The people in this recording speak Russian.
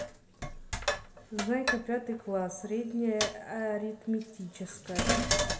знайка пятый класс средние аритмическое